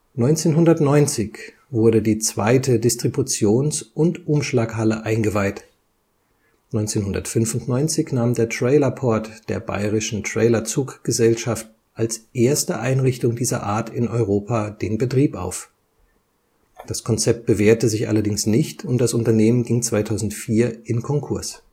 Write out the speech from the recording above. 1990 wurde die zweite Distributions - und Umschlaghalle (UGM II) eingeweiht. 1995 nahm der Trailerport der Bayerischen Trailerzuggesellschaft als erste Einrichtung dieser Art in Europa den Betrieb auf, das Konzept bewährte sich allerdings nicht und das Unternehmen ging 2004 in Konkurs